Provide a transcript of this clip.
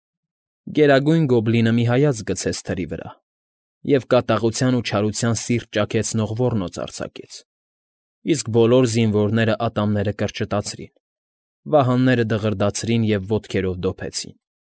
Գերագույն Գոբլինը մի հայացք գցեց թրի վրա և կատաղության ու չարության սիրտ ճաքեցնող ոռնոց արձակեց, իսկ բոլոր զինվորները ատամները կրճտաեցրին, վահանները դղրդացրին ու ոտքերով դոփեցին։